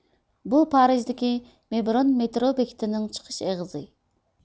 بۇ پارىژدىكى مېبرون مېترو بېكىتىنىڭ چىقىش ئېغىزى